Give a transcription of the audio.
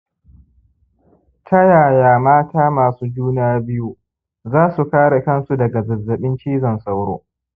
ta yaya mata masu juna biyu za su kare kansu daga zazzaɓin cizon sauro